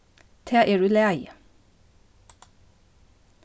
tað er í lagi